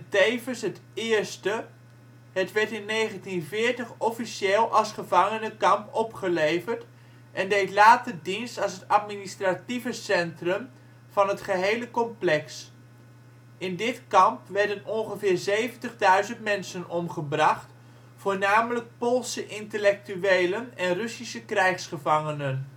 tevens het eerste. Het werd in 1940 officieel als gevangenenkamp opgeleverd, en deed later dienst als het administratieve centrum van het gehele complex. In dit kamp werden ongeveer 70 000 mensen omgebracht, voornamelijk Poolse intellectuelen en Russische krijgsgevangenen